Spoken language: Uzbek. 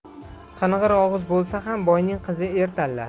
qing'ir og'iz bo'lsa ham boyning qizi er tanlar